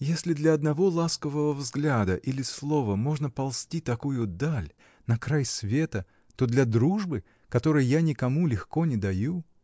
Если для одного ласкового взгляда или слова можно ползти такую даль, на край света, то для дружбы, которой я никому легко не даю.